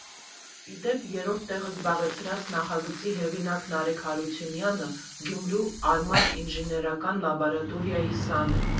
Ի դեպ, երրորդ տեղը զբաղեցրած նախագծի հեղինակ Նարեկ Հարությունյանը Գյումրու «Արմաթ» ինժեներական լաբորատորիայի սան է։